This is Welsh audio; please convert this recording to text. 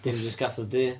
Dim jyst cathod du.